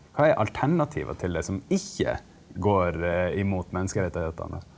hva er alternativa til det som ikke går imot menneskerettighetene?